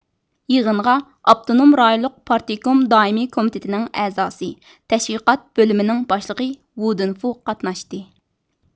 يىغىنغا ئاپتونوم رايونلۇق پارتكوم دائىمىي كومىتېتىنىڭ ئەزاسى تەشۋىقات بۆلۈمىنىڭ باشلىقى ۋۇ دۇنفۇ قاتناشتى